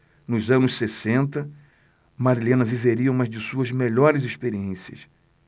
nos anos sessenta marilena viveria uma de suas melhores experiências